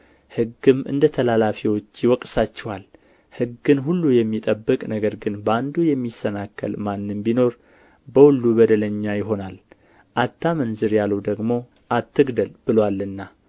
ሕግም እንደ ተላላፊዎች ይወቅሳችኋል ሕግን ሁሉ የሚጠብቅ ነገር ግን በአንዱ የሚሰናከል ማንም ቢኖር በሁሉ በደለኛ ይሆናል አታመንዝር ያለው ደግሞ አትግደል ብሎአልና